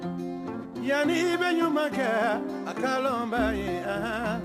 Yan i bɛ ɲuman kɛ a kalan bɛ ye